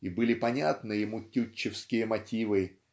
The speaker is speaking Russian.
и были понятны ему тютчевские мотивы